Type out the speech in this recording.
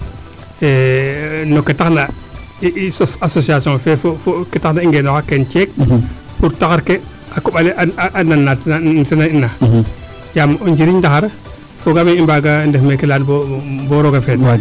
no ke tax na i sos association fee fo ke tax na i ngenoox a keen ceek pour taxar ke a koɓale a nan neete nan ina yaam o njiriñ ndaxar fogaam i mbaaga ndef meeke leyan bo rooga feed